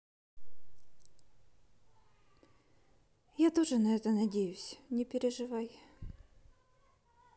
я тоже на это надеюсь не переживай